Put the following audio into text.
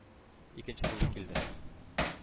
Икенче булып килде.